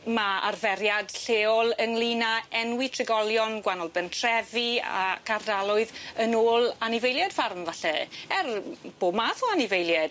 Ma' arferiad lleol ynglŷn â enwi trigolion gwanol bentrefi ac ardaloedd yn ôl anifeilied ffarm falle er m- bob math o anifeilied.